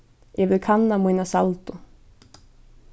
eg vil kanna mína saldu